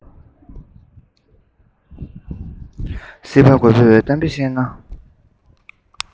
སྲིད པ རྒད པོས གཏམ དཔེ བཤད ན